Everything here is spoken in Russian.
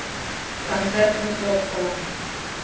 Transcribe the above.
концерт высоцкого